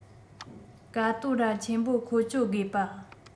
ཀ ཏོ ར ཆེན པོ འཁོ སྤྱོད དགོས པ